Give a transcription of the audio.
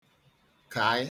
kaị